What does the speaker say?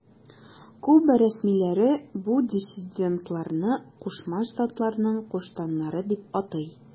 Куба рәсмиләре бу диссидентларны Кушма Штатларның куштаннары дип атый.